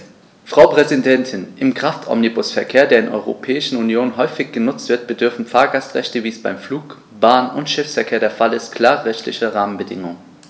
Frau Präsidentin, im Kraftomnibusverkehr, der in der Europäischen Union häufig genutzt wird, bedürfen Fahrgastrechte, wie es beim Flug-, Bahn- und Schiffsverkehr der Fall ist, klarer rechtlicher Rahmenbedingungen.